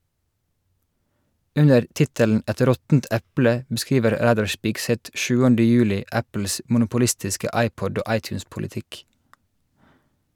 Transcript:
Under tittelen "Et råttent eple" beskriver Reidar Spigseth 7. juli Apples monopolistiske iPod- og iTunes-politikk.